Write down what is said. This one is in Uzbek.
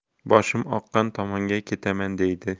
boshim oqqan tomonga ketaman deydi